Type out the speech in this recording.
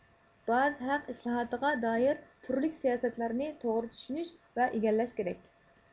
باج ھەق ئىسلاھاتىغا دائىر تۈرلۈك سىياسەتلەرنى توغرا چۈشىنىش ۋە ئىگىلەش كېرەك